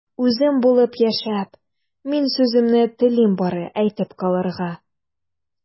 Үзем булып яшәп, мин сүземне телим бары әйтеп калырга...